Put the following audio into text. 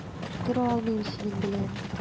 Тора алмыйм синең белән.